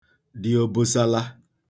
dị ōbōsālā